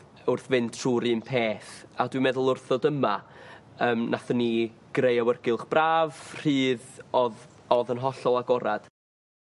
wrth fynd trw'r un peth a dwi'n meddwl wrth ddod yma yym nathon ni greu awyrgylch braf rhydd o'dd o'dd yn hollol agorad.